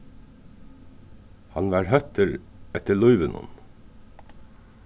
hann varð hóttur eftir lívinum